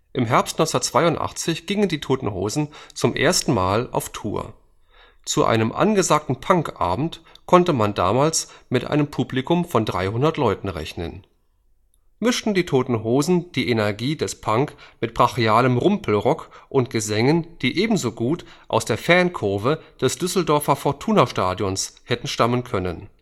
Im Herbst 1982 gingen Die Toten Hosen zum ersten Mal auf Tour. Zu einem angesagten Punk-Abend konnte man damals mit einem Publikum von 300 Leuten rechnen. „[…] mischten Die Toten Hosen die Energie des Punk mit brachialem Rumpelrock und Gesängen, die ebenso gut aus der Fankurve des Düsseldorfer Fortuna-Stadions hätten stammen können